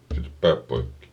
sitten päät poikki